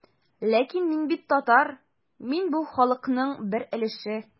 Ләкин мин бит татар, мин бу халыкның бер өлеше.